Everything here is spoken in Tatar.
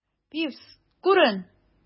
Пивз, күрен!